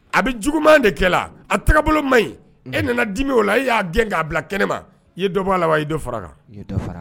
A bɛ juguman de kɛ la , a tagɛbolo ma ɲi , e nana dimi o la , e y'a gen k'a bila kɛnɛ ma, i ye dɔbɔ a la wa i ye dɔ far'a kan?